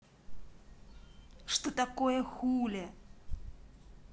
что такое хуле